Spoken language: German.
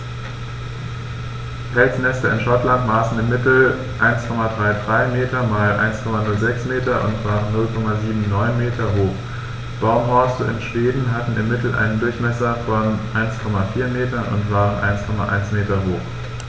Felsnester in Schottland maßen im Mittel 1,33 m x 1,06 m und waren 0,79 m hoch, Baumhorste in Schweden hatten im Mittel einen Durchmesser von 1,4 m und waren 1,1 m hoch.